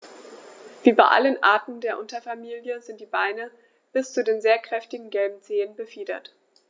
Wie bei allen Arten der Unterfamilie sind die Beine bis zu den sehr kräftigen gelben Zehen befiedert.